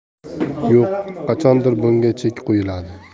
yo'q qachondir bunga chek qo'yiladi